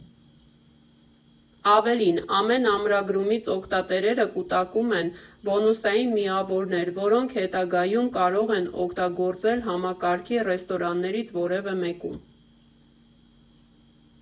Ավելին՝ ամեն ամրագրումից օգտատերերը կուտակում են բոնուսային միավորներ, որոնք հետագայում կարող են օգտագործել համակարգի ռեստորաններից որևէ մեկում։